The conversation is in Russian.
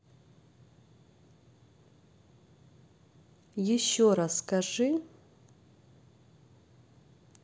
еще раз скажи